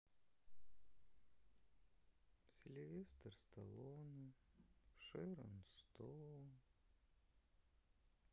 сильвестр сталлоне шерон стоун